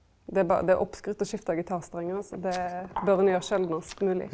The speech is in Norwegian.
det er det er oppskrytt å skifte gitarstrengar altså det bør ein gjere sjeldnast mogleg.